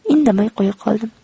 indamay qo'ya qoldim